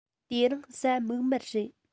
དེ རིང གཟའ མིག དམར རེད